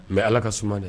Mɛ ala ka suma dɛ